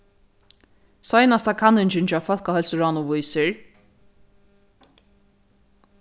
seinasta kanningin hjá fólkaheilsuráðnum vísir